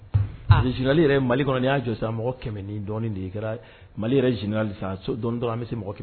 Kali yɛrɛ mali kɔnɔ y' jɔ san mɔgɔ kɛmɛ ni kɛra mali yɛrɛ jina dɔrɔn bɛ se mɔgɔ